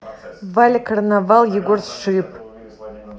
валя карнавал егор шип